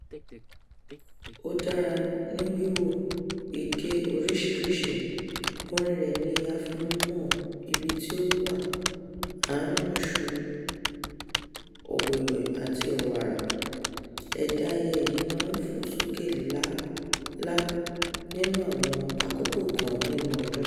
Ó dára ní wíwò, iké oríṣiríṣi. Orin rẹ̀ ni a fi ń mọ ibi tí ó wà, àárín oṣù Ọ̀wẹwẹ̀ àti Ọ̀wàrà. Ẹ̀dá ẹyẹ yìí máa ń fò sókè lálá nínú àwọn àkókò kan nínú ọdún.